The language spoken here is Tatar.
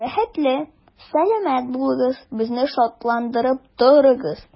Бәхетле, сәламәт булыгыз, безне шатландырып торыгыз.